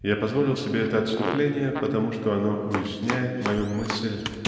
Я позволил себе это отступление потому что оно уясняет мою мысль